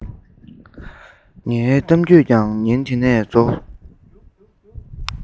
ངའི གཏམ རྒྱུད ཀྱང ཉིན དེ ནས རྫོགས